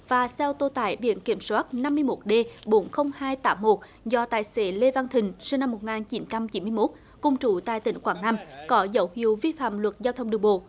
và xe ô tô tải biển kiểm soát năm mươi mốt đê bốn không hai tám một do tài xế lê văn thịnh sinh năm một ngàn chín trăm chín mươi mốt cùng trú tại tỉnh quảng nam có dấu hiệu vi phạm luật giao thông đường bộ